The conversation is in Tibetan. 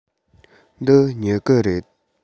འདི སྨྱུ གུ རེད